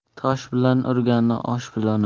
tosh bilan urganni osh bilan ur